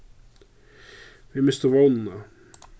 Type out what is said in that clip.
vit mistu vónina